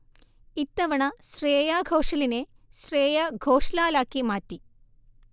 ഇത്തവണ ശ്രേയാ ഘോഷലിനെ ശ്രേയാ ഘോഷ്ലാലാക്കി മാറ്റി